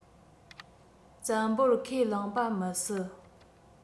བཙན པོར ཁས བླངས པ མི སྲིད